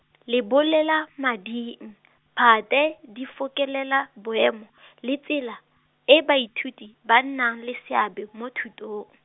lebolelamading, phate, di fokelela, boemo, le tsela, e baithuti, ba nnang le seabe, mo thutong.